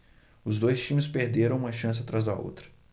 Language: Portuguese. os dois times perderam uma chance atrás da outra